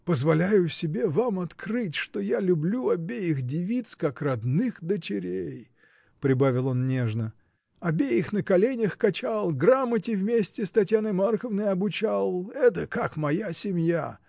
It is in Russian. Позволяю себе вам открыть, что я люблю обеих девиц, как родных дочерей, — прибавил он нежно, — обеих на коленях качал, грамоте вместе с Татьяной Марковной обучал это — как моя семья.